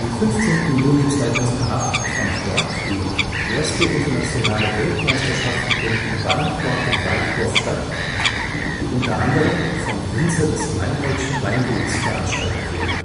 15. Juni 2008 fand dort die 1. Internationale Weltmeisterschaft im Weinkorkenweitwurf statt, die unter anderem vom Winzer des Meinholdschen Weinguts veranstaltet wurde